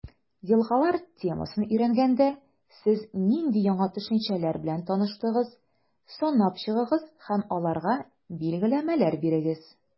«елгалар» темасын өйрәнгәндә, сез нинди яңа төшенчәләр белән таныштыгыз, санап чыгыгыз һәм аларга билгеләмәләр бирегез.